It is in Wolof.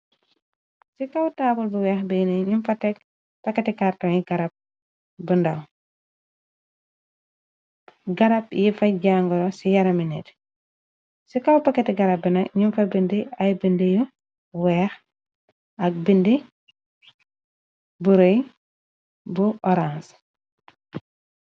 Si kaw taabal bu weex bini ñyung fa tek pakati kàrton yi garab bu ndaw garab yi fa jangoro ci yara mi nit ci kaw pakati garab bina ñum fa bindi ay bindi yu weex ak bindi bu rëy bu orange.